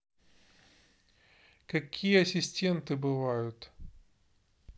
какие ассистенты бывают